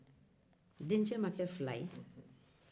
dencɛ ma kɛ fila ye